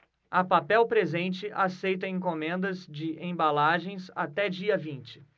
a papel presente aceita encomendas de embalagens até dia vinte